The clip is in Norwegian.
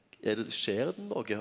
er det skjer det noko?